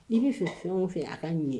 I b bɛi fɛ fɛnw fɛ a ka ɲɛ